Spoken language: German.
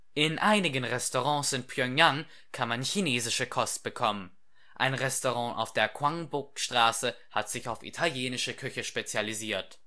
In einigen Restaurants in Pjöngjang kann man chinesische Kost bekommen. Ein Restaurant in der Kwangbok-Straße hat sich auf italienische Küche spezialisiert